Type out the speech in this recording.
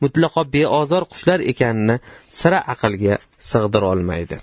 mutlaqo beozor qushlar ekanini sira aqlga sig'dirolmaydi